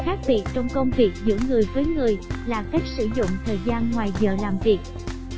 khác biệt trong công việc giữa người với người là cách sử dụng thời gian ngoài giờ làm việc